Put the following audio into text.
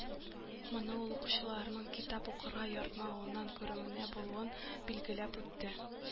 Моны ул укучыларның китап укырга яратмавыннан күрүеннән булуын билгеләп үтте.